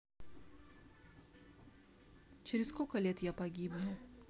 через сколько лет я погибну